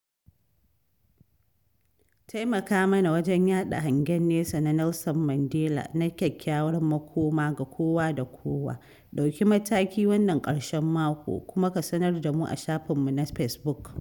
Taimaka mana wajen yaɗa hangen nesa na Nelson Mandela na kyakkyawar makoma ga kowa da kowa, ɗauki mataki wannan ƙarshen mako, kuma ka sanar da mu a Shafinmu na Facebook.